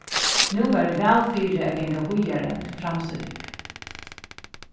nú var eg væl fyri at ganga víðari til framsýning